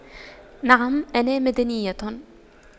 نعم انا مدنية